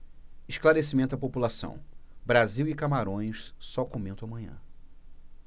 esclarecimento à população brasil e camarões só comento amanhã